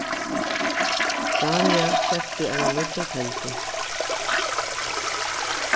dania keypti eina nýggja teldu